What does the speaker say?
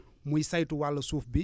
muy saytu wàll suuf bi